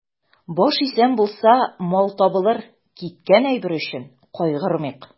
Баш исән булса, мал табылыр, киткән әйбер өчен кайгырмыйк.